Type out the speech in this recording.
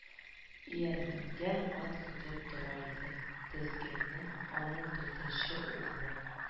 Иярләнгән ат көтеп тора иде, тезгенне аның дүртенче угълы